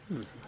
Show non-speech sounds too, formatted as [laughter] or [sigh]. [hesitation] [hesitation]